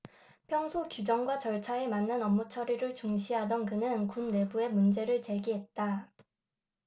평소 규정과 절차에 맞는 업무 처리를 중시하던 그는 군 내부에 문제를 제기했다